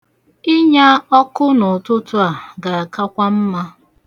Ịnya ọkụ n'ụtụtụ a ga-akakwa mma.